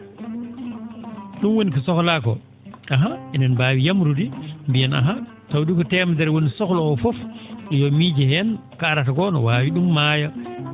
?um woni ko sohlaa ko ahan enen mbaawi yamrude mbiyen ahan tawde ko teemedere woni sohla oo fof yo miije heen ko arata ko no waawi ?um maaya